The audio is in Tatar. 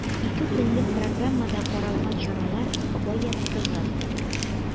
Ике көнлек программада каралган чаралар гаять тыгыз.